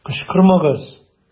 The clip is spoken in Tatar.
Кычкырмагыз!